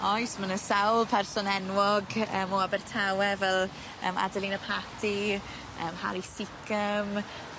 Oes my' 'ny sawl person enwog yym o Abertawe fel yym Adelina Patti yym Harry Seacombe.